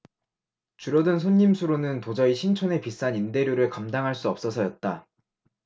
줄어든 손님 수로는 도저히 신촌의 비싼 임대료를 감당할 수 없어서였다